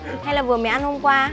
hay là vừa mới ăn hôm qua